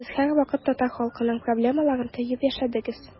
Сез һәрвакыт татар халкының проблемаларын тоеп яшәдегез.